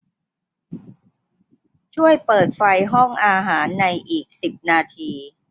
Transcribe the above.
ช่วยเปิดไฟห้องอาหารในอีกสิบนาที